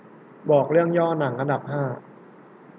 บอกเรื่องย่อหนังอันดับห้า